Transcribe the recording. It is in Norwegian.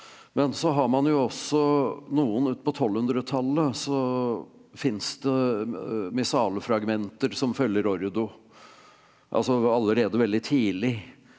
men så har man jo også noen ut på tolvhundretallet så finnes det missalefragmenter som følger ordo altså allerede veldig tidlig.